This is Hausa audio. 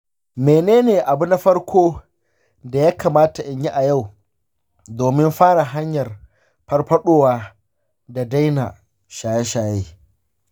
mene ne abu na farko da ya kamata in yi a yau domin fara hanyar farfadowa da daina shaye-shaye?